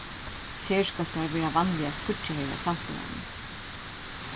serskøltar verða vanliga skýggjaðir av samfelagnum